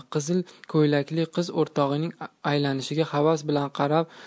qizil ko'ylakli qiz o'rtog'ining aylanishiga havas bilan qarab